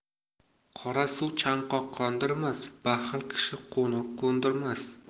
qora suv chanqoq qondirmas baxil kishi qo'noq qo'ndirmas